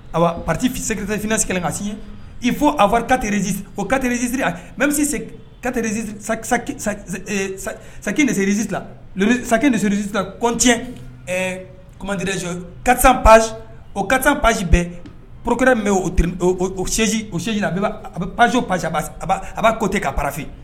Sinakɛnɛ kasiɲɛ i fɔ a fɔ katerrez o katerezsiri a mɛ bɛ kate saserisi sarisi kɔnti kumadreso karisa pa o ka pasi bɛɛ poropkɛ bɛ sɛji o sji a a bɛ pazo pa a b'a koo tɛ ka pafin